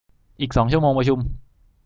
อีกสองชั่วโมงประชุม